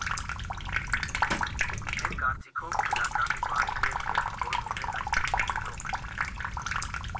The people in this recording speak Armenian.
Մեր կարծիքով՝ դրական ու բարի երգ էր, որն ուներ այսպիսի մի տող.